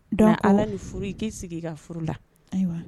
furu i k'i sig'i ka furu la ayiwa